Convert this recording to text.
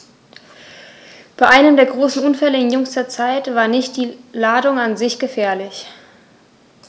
Bei einem der großen Unfälle in jüngster Zeit war nicht die Ladung an sich gefährlich.